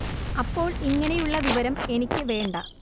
അപ്പോൾ ഇങ്ങനെയുള്ള വിവരം എനിക്ക് വേണ്ട